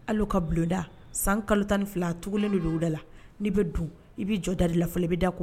Hali u ka bulonda san kalo 12 a tugulen de don u dala n'i be don i bi jɔ da de la fɔlɔ i be da ko